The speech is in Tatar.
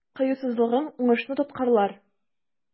Кыюсызлыгың уңышны тоткарлар.